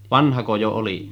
vanhako jo oli